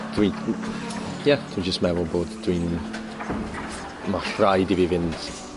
dwi m- ie, dwi'n jyst meddwl bod dwi'n ma' rhaid i fi fynd